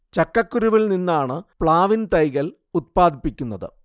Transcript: ചക്കക്കുരുവിൽ നിന്നാണ് പ്ലാവിൻ തൈകൾ ഉത്പാദിപ്പിക്കുന്നത്